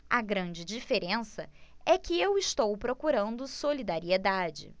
a grande diferença é que eu estou procurando solidariedade